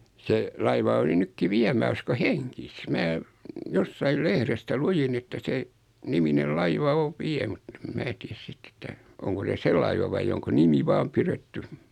se laiva oli nytkin vielä minä uskon hengissä minä jossakin lehdestä luin että sen niminen laiva on vielä mutta en minä tiedä sitten että onko se se laiva vai onko nimi vain pidetty